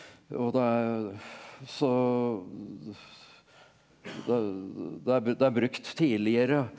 og det er så det er det er det er brukt tidligere.